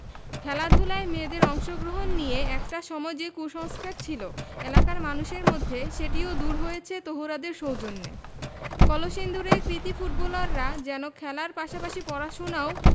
খেলাধুলায় মেয়েদের অংশগ্রহণ নিয়ে একটা সময় যে কুসংস্কার ছিল এলাকার মানুষের মধ্যে সেটিও দূর হয়েছে তহুরাদের সৌজন্যে কলসিন্দুরের কৃতী ফুটবলাররা যেন খেলার পাশাপাশি পড়াশোনাও